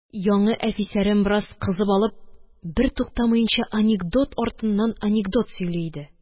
Яңы әфисәрем, бераз кызып алып, бертуктамаенча анекдот артыннан анекдот сөйли иде.